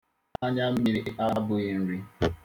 Anyammiri abụghị nri.